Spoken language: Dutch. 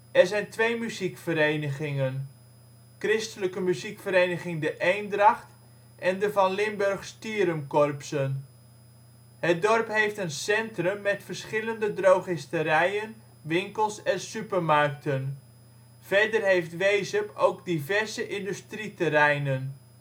zijn twee muziekverenigingen, " Christelijke muziekvereniging De Eendracht " en de ' Van Limburg Stirum Korpsen '. Het dorp heeft een centrum met verschillende drogisterijen, winkels en supermarkten. Verder heeft Wezep ook diverse industrieterreinen